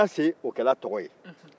wanase o kɛra a tɔgɔ ye